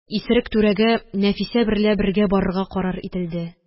Исерек түрәгә Нәфисә берлә бергә барырга карар ителде